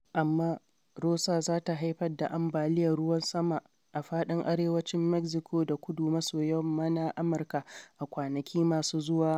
Amma, Rosa za ta haifar da ambaliyar ruwan sama a faɗin arewacin Mexico da kudu-maso-yamma na Amurka a kwanaki masu zuwa.